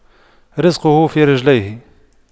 رِزْقُه في رجليه